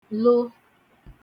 lo